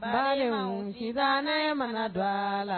Balima sisan ne mana dɔgɔ a la